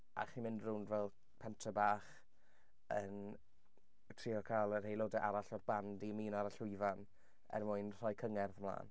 A chi'n mynd rownd fel pentre bach yn yn trio cael yr aelodau arall o'r band i ymuno ar y llwyfan er mwyn rhoi cyngerdd mlaen.